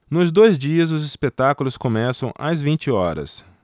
nos dois dias os espetáculos começam às vinte horas